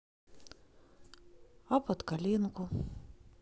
а под коленку